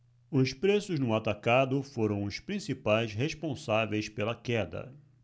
os preços no atacado foram os principais responsáveis pela queda